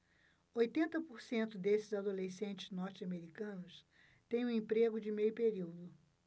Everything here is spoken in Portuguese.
oitenta por cento desses adolescentes norte-americanos têm um emprego de meio período